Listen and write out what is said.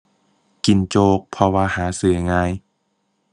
กินโจ๊ก เพราะว่าหาซื้อง่าย